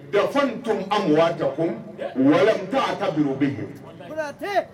Tun ja wa ta bi u bɛ yen